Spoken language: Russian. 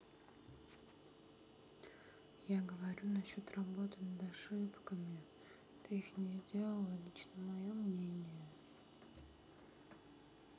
я говорю насчет работа над ошибками ты их не сделала лично мое мнение